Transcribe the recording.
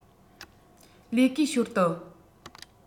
ལས ཀའི ཞོར དུ